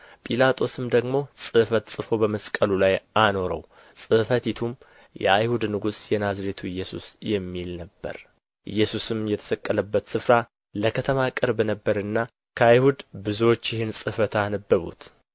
ጲላጦስም ደግሞ ጽሕፈት ጽፎ በመስቀሉ ላይ አኖረው ጽሕፈቱም የአይሁድ ንጉሥ የናዝሬቱ ኢየሱስ የሚል ነበረ ኢየሱስም የተሰቀለበት ስፍራ ለከተማ ቅርብ ነበረና ከአይሁድ ብዙዎች ይህን ጽሕፈት አነበቡት